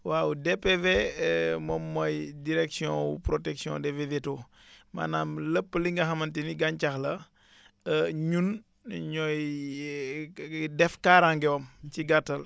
waaw DPV moom mooy direction wu protection des végétaux maanaam lépp li nga xamante ni gàncax la ñun ñun ñooy def kaaraangewam ci gàttal